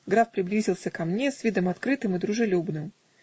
Граф приблизился ко мне с видом открытым и дружелюбным